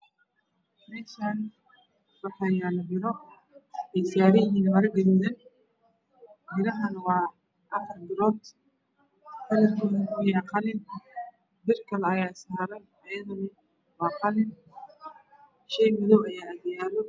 Meeshaan waxa yaallo birro weysaariyihiin marro gaduudan gudahanna waa affar birrood kalarkiidu uyahay qallin bir kale ayaa saaran ayadu waa qallin shey maddow agyaallo